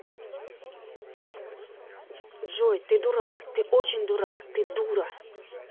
джой ты дурак ты очень дурак ты дура